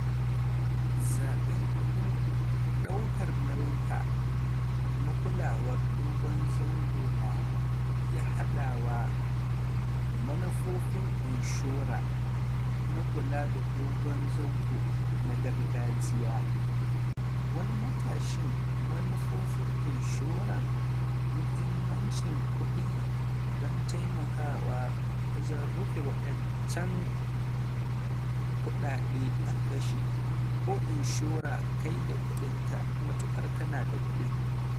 Zaɓen kuɗin daukar nauyin ka na kulawar dogon zangona iya haɗawa da manufofin inshora na kula da dogon zango na gargajiya, wani matashin manufofin inshoran muhimmancin kudi don taimakawa wajen rufe wadancan kudaden da aka kashe ko inshoran kai da kudin ka -matukar kanada kudin.